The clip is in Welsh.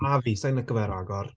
A fi sa i'n licio fe ragor.